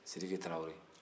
sidiki taarawel